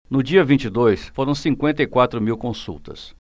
no dia vinte e dois foram cinquenta e quatro mil consultas